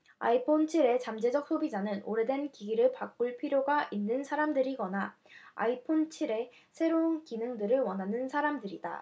아이폰 칠 의 잠재적 소비자는 오래된 기기를 바꿀 필요가 있는 사람들이거나 아이폰 칠 의 새로운 기능들을 원하는 사람들이다